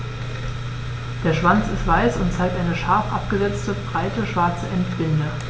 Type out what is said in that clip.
Der Schwanz ist weiß und zeigt eine scharf abgesetzte, breite schwarze Endbinde.